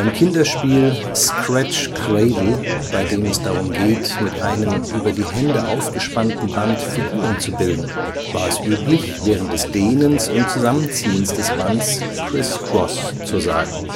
Kinderspiel scratch cradle, bei dem es darum geht, mit einem über die Hände aufgespannten Band Figuren zu bilden, war es üblich, während des Dehnens und Zusammenziehens des Bands “criss-cross” zu sagen